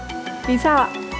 vì sao ạ